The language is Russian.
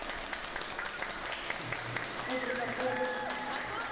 подвиг одессы